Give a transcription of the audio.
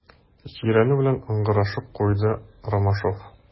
Җирәнү белән ыңгырашып куйды Ромашов.